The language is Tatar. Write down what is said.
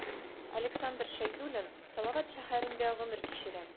Александр Шәйдуллин Салават шәһәрендә гомер кичерә.